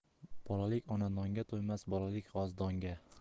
bolalik ona nonga to'ymas bolalik g'oz donga